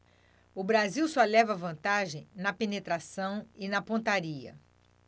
o brasil só leva vantagem na penetração e na pontaria